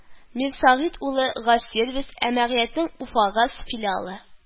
Мирсәгыйть улы, Газ-Сервис әмгыятенең Уфагаз филиалы